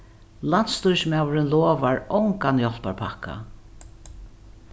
landsstýrismaðurin lovar ongan hjálparpakka